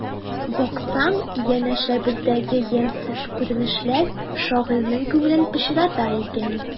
Баксаң, янәшәбездәге ямьсез күренешләр шагыйрьнең күңелен пычрата икән.